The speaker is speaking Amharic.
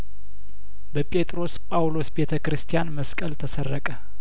በጴጥሮስ ጳውሎስ ቤተ ክርስቲያን መስቀል ተሰረቀ